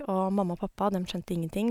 Og mamma og pappa, dem skjønte ingenting.